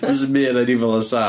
Does na'm un anifal yn saff.